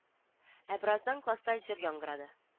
Ә бераздан класста җыр яңгырады